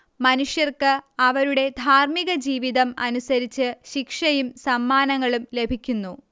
മനുഷ്യർക്ക് അവരുടെ ധാർമികജീവിതം അനുസരിച്ച് ശിക്ഷയും സമ്മാനങ്ങളും ലഭിക്കുന്നു